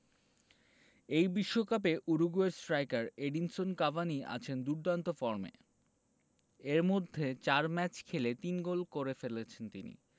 এই বিশ্বকাপে উরুগুয়ের স্ট্রাইকার এডিনসন কাভানি আছেন দুর্দান্ত ফর্মে এর মধ্যে ৪ ম্যাচে খেলে ৩ গোল করে ফেলেছেন তিনি